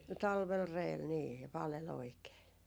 talvella reellä niin ja paleli oikein